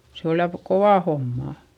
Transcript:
se oli ja kova homma